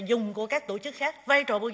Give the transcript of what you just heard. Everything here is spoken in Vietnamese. dùng của các tổ chức khác vai trò của